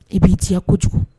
I b'i ci kojugu